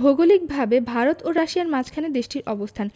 ভৌগলিকভাবে ভারত ও রাশিয়ার মাঝখানে দেশটির অবস্থান